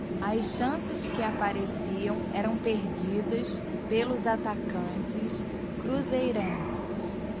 as chances que apareciam eram perdidas pelos atacantes cruzeirenses